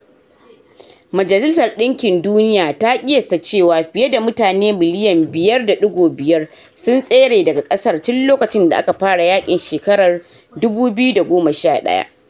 Majalisar Dinkin Duniya ta kiyasta cewa fiye da mutane miliyan 5.5 sun tsere daga kasar tun lokacin da aka fara yakin shekarar 2011.